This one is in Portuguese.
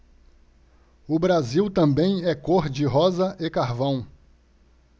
o brasil também é cor de rosa e carvão